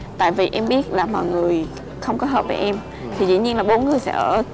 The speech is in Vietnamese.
tại vì em biết là mọi người không có hợp với em thì dĩ nhiên là bốn người sẽ ở